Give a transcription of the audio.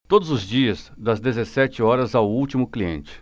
todos os dias das dezessete horas ao último cliente